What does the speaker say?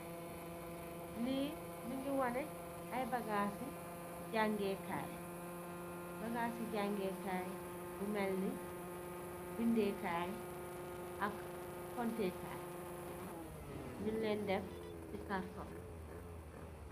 Lii mungi wane, bagaas I jaangee KAAY.Bagaas i jaangee kaay yu melni, bindee KAAY ak kontee kaay. Ñuñg leen def, si kartoñg.